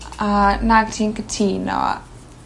a nag 'yt ti'n cytuno